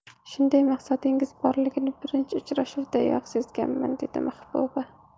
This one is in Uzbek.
shunday maqsadingiz borligini birinchi uchrashuvdayoq sezganman dedi mahbuba